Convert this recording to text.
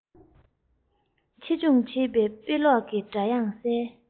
ཕྱི སྦྱོང བྱེད པའི དཔེ ཀློག གི སྒྲ དབྱངས གསལ